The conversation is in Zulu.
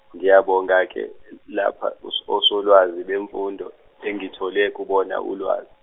ngiyabonga ke, lapha os- osolwazi bemfundo, engithole kubona ulwa-.